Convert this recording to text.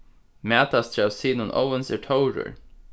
mætastur av synum óðins er tórur